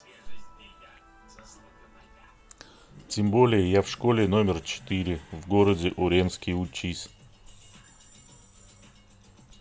тем более я в школе номер четыре в городе уренский учись